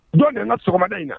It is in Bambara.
Jɔn nana n ka so sɔgɔmada in na